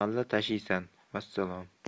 g'alla tashiysan vassalom